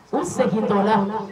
U segintɔla